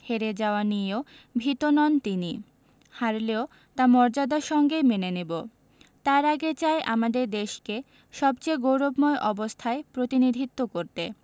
হেরে যাওয়া নিয়েও ভীত নন তিনি হারলেও তা মর্যাদার সঙ্গেই মেনে নেব তার আগে চাই আমাদের দেশকে সবচেয়ে গৌরবময় অবস্থায় প্রতিনিধিত্ব করতে